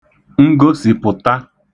ngosìpụ̀ta